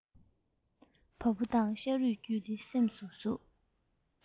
བ སྤུ དང ཤ རུས བརྒྱུད དེ སེམས སུ ཟུག